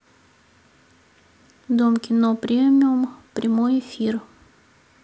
дом кино премиум прямой эфир